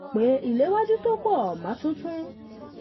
Olórí yúròpù Thomas Bjorn mọ̀ pé ìléwájú tó pọ̀ má tó tán.